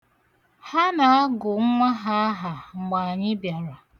Ha na-agụ nwa ha aha mgbe anyị bịara.